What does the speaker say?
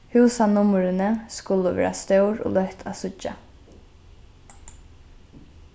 húsanummurini skulu vera stór og løtt at síggja